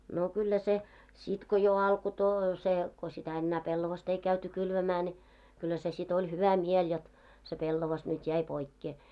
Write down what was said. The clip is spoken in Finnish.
no kyllä se sitten kun jo alkoi - se kun sitä enää pellavaa ei käyty kylvämään ne kyllä se sitten oli hyvä mieli jotta se pellava nyt jäi poikkeen